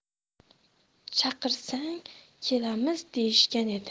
chaqirsang kelamiz deyishgan edi